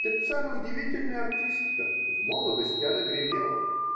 Пеццана удивительная артистка. В молодости она гремела.